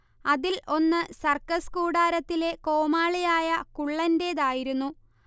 അതിൽ ഒന്ന് സർക്കസ് കൂടാരത്തിലെ കോമാളിയായ കുള്ളന്റേതായിരുന്നു